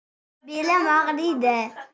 belim og'riydi